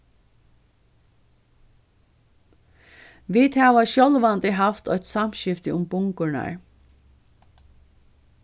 vit hava sjálvandi havt eitt samskifti um bungurnar